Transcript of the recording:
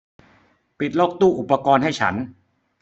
ปิดล็อคตู้อุปกรณ์ให้ฉัน